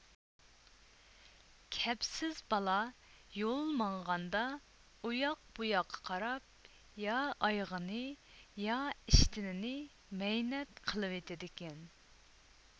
كەپسىز بالا يول ماڭغاندا ئۇياق بۇياققا قاراپ يا ئايىغىنى يا ئىشتىنىنى مەينەت قىلىۋېتىدىكەن